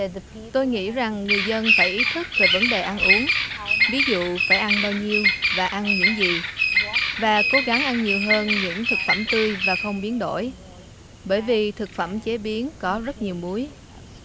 tôi nghĩ rằng người dân phải ý thức về vấn đề ăn uống ví dụ phải ăn bao nhiêu và ăn những gì và cố gắng ăn nhiều hơn những thực phẩm tươi và không biến đổi bởi vì thực phẩm chế biến có rất nhiều muối